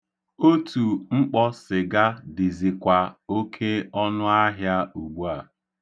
Otu mkpọ sịga dịzikwa oke ọnụahịa ugbua.